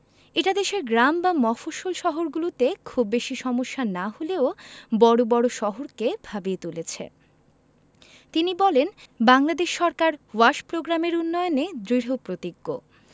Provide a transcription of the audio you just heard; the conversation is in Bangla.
এটা দেশের গ্রাম বা মফস্বল শহরগুলোতে খুব বেশি সমস্যা না হলেও বড় বড় শহরকে ভাবিয়ে তুলেছে তিনি বলেন বাংলাদেশ সরকার ওয়াশ প্রোগ্রামের উন্নয়নে দৃঢ়প্রতিজ্ঞ